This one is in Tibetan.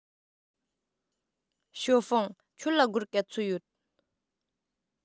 ཞའོ ཧྥང ཁྱོད ལ སྒོར ག ཚོད ཡོད